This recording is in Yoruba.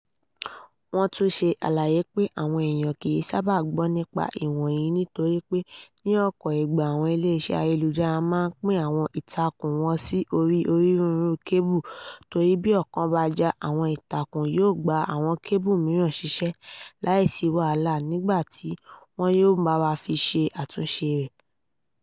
Wọ́n tún ṣe àlàyé pé àwọn èèyàn kìí sábà gbọ́ nípa ìwọ̀nyìí nítorí pé, ní ọ̀pọ̀ ìgbà, àwọn ilé-iṣẹ́ ayélujára máa ń pín àwọn ìtakùn wọn sí orí onírúurú kébù torí bí ọ̀kan bá já, àwọn ìtakùn yóò gba àwọn kébù mìíràn ṣiṣẹ́ láì sí wàhálà nígbà tí wọn yóò bá fi máa ṣe àtúnṣe rẹ̀.